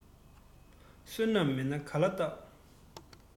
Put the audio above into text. བསོད ནམས མེད ན ག ལ རྟག